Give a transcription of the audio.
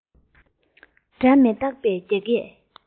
སྒྲ མི དག པའི རྒྱ སྐད